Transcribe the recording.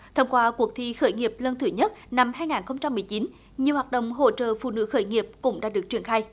thông qua cuộc thi khởi nghiệp lần thứ nhất năm hai ngàn không trăm mười chín nhiều hoạt động hỗ trợ phụ nữ khởi nghiệp cũng đã được triển khai